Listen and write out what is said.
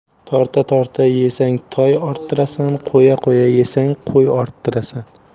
torta torta yesang toy orttirasan qo'ya qo'ya yesang qo'y orttirasan